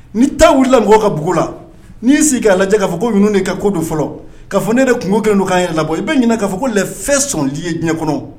Ni ta wilila mɔgɔ ka bbugu la n'i'i sigi ka lajɛ k'a fɔ ko ɲin ka ko don fɔlɔ k ka fɔ ne de kungo kɛ don ka ye labɔ i bɛ ɲininka k'a fɔ ko fɛ sonji ye diɲɛ kɔnɔ